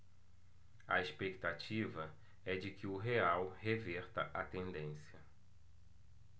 a expectativa é de que o real reverta a tendência